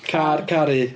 Car caru.